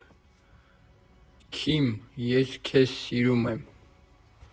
«Քիմ, ես քեզ սիրում եմ»։